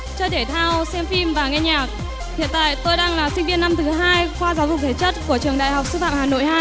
chơi thể thao xem phim và nghe nhạc hiện tại tôi đang là sinh viên năm thứ hai khoa giáo dục thể chất của trường đại học sư phạm hà nội hai